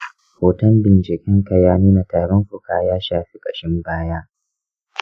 hoton bincikenka ya nuna tarin fuka ya shafi ƙashin baya.